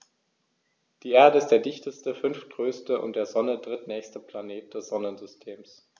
Die Erde ist der dichteste, fünftgrößte und der Sonne drittnächste Planet des Sonnensystems.